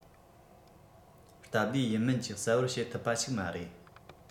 སྟབས བདེ ཡིན མིན གྱིས གསལ པོར བཤད ཐུབ པ ཞིག མ རེད